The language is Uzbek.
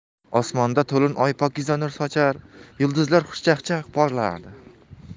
osmonda to'lin oy pokiza nur sochar yulduzlar xushchaqchaq porlardi